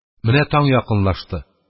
Менә таң якынлашты.